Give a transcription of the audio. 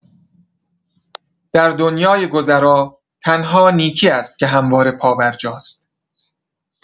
در دنیای گذرا، تنها نیکی است که همواره پابرجاست.